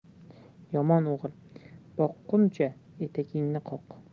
yomon o'g'il boqquncha etagingni qoq